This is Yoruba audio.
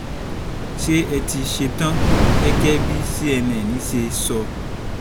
ṣé ẹ ti ṣetán?” Gẹ́gẹ́ bí CNN ṣe sọ.